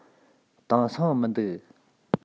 དེང སང མི འདུག